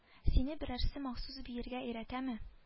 Сине берәрсе махсус биергә өйрәтәме